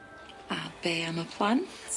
A be am y plant?